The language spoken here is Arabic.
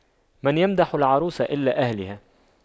من يمدح العروس إلا أهلها